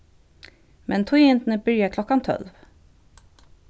men tíðindini byrja klokkan tólv